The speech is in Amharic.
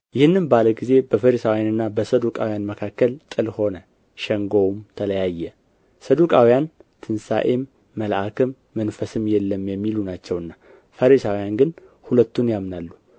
ይህንም ባለ ጊዜ በፈሪሳውያንና በሰዱቃውያን መካከል ጥል ሆነ ሸንጎውም ተለያየ ሰዱቃውያን ትንሣኤም መልአክም መንፈስም የለም የሚሉ ናቸውና ፈሪሳውያን ግን ሁለቱን ያምናሉ